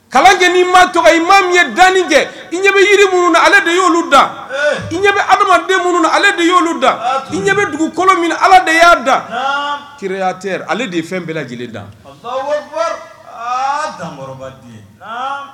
Kala lajɛleni ma tɔgɔ i ma min ye dan ni cɛ i ɲɛ bɛ jiri minnu ale de y'olu da i ɲɛ adamaden minnu ale de y'olu da i ɲɛ bɛ dugukolo min ala de y' da kere tɛ ale de ye fɛn bɛɛ lajɛlen da